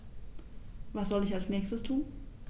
Was soll ich als Nächstes tun?